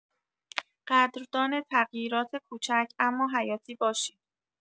قدردان تغییرات کوچک اما حیاتی باشید.